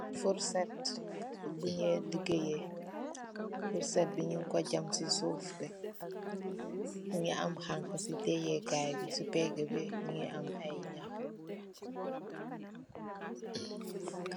Furset bi ñuy ligeey yee, furset bi ñing ko jam ci suuf ci mugii am Xanax ci feyeh kai bi ci pegga bi mugii am ñax.